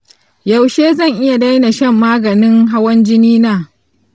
yaushe zan iya daina shan maganin hawan jini na?